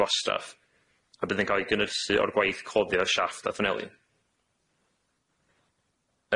gwastraff a bydd yn ca'l 'i gynysu o'r gwaith cloddio'r siafft a thwneli.